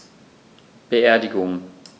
Beerdigung